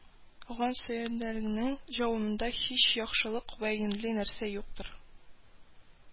Ган сөальләреңнең җавабында һич яхшылык вә юньле нәрсә юктыр